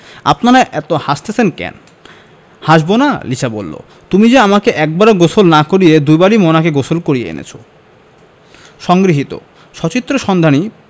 আপনেরা অত হাসতাসেন ক্যান হাসবোনা লিসা বললো তুমি যে আমাকে একবারও গোসল না করিয়ে দুবারই মোনাকে গোসল করিয়ে এনেছো সংগৃহীত সচিত্র সন্ধানী